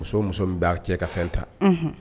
Muso muso min b' cɛ ka fɛn ta